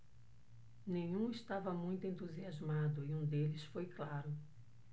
nenhum estava muito entusiasmado e um deles foi claro